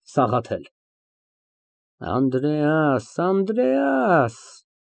ՍԱՂԱԹԵԼ ֊ Անդրեաս, Անդրեաս…